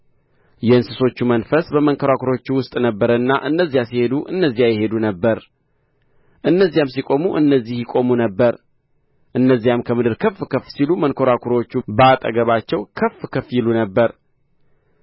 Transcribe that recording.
የእንስሶች መንፈስ በመንኰራኵሮቹ ውስጥ ነበረና እነዚያ ሲሄዱ እነዚህ ይሄዱ ነበር እነዚያም ሲቆሙ እነዚህ ይቆሙ ነበር እነዚያም ከምድር ከፍ ከፍ ሲሉ መንኰራኵሮቹ በአጠገባቸው ከፍ ከፍ ይሉ ነበር